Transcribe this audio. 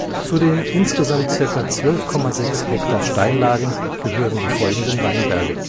Zu den insgesamt circa 12,6 ha Steillagen gehören die folgenden Weinberge